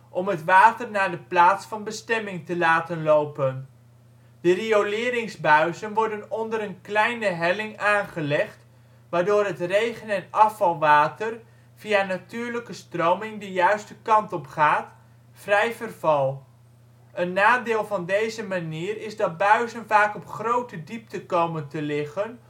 om het water naar de plaats van bestemming te laten lopen. De rioleringbuizen worden onder een kleine helling aangelegd, waardoor het regen - en afvalwater via natuurlijke stroming de juiste kant op gaat (vrij verval). Een nadeel van deze manier is dat buizen vaak op grote diepte komen te liggen